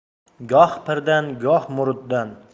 goh pirdan goh muriddan